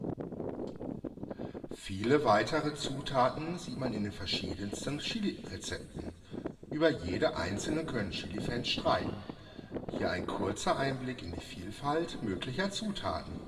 Viele weitere Zutaten sieht man in den verschiedensten Chilirezepten, über jede einzelne können Chilifans streiten. Hier ein kurzer Einblick in die Vielfalt möglicher Zutaten